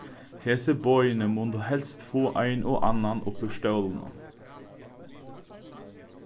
hesi boðini mundu helst fáa ein og annan upp úr stólinum